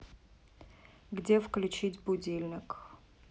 где включить будильник